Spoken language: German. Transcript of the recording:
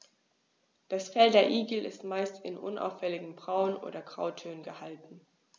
Das Fell der Igel ist meist in unauffälligen Braun- oder Grautönen gehalten.